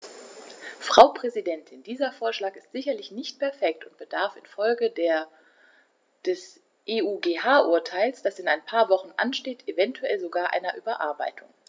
Frau Präsidentin, dieser Vorschlag ist sicherlich nicht perfekt und bedarf in Folge des EuGH-Urteils, das in ein paar Wochen ansteht, eventuell sogar einer Überarbeitung.